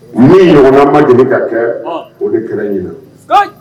Ni ɲɔgɔnma ma deli ka kɛ o de kɛra ɲ na